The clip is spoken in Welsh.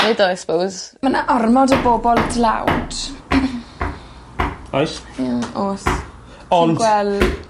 neud o I suppose Ma' 'na ormod o bobol dlawd. Oes. Ie o's. Ond... Dwi'n gwel'...